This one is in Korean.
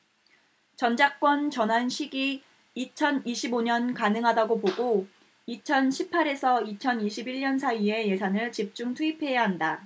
전작권 전환 시기 이천 이십 오 년 가능하다고 보고 이천 십 팔 에서 이천 이십 일 년 사이에 예산을 집중 투입해야 한다